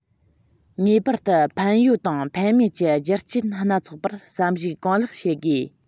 ངེས པར དུ ཕན ཡོད དང ཕན མེད ཀྱི རྒྱུ རྐྱེན སྣ ཚོགས པར བསམ གཞིགས གང ལེགས བྱེད དགོས